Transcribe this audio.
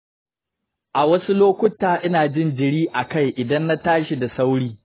a wasu lokuta ina jin jiri a kai idan na tashi da sauri.